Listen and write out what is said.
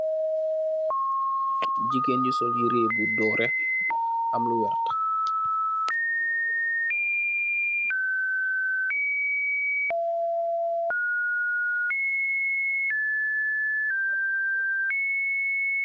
Gigeen bu sol yirèh bu dórèh am lu werta.